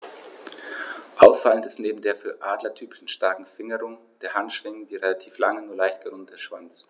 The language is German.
Auffallend ist neben der für Adler typischen starken Fingerung der Handschwingen der relativ lange, nur leicht gerundete Schwanz.